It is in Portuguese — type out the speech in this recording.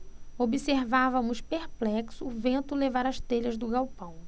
observávamos perplexos o vento levar as telhas do galpão